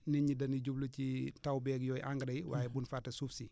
nit ñi dañuy jublu ci taw beeg yooyu engrais yi waaye bul fàtte suuf si